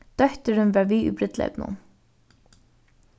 dóttirin var við í brúdleypinum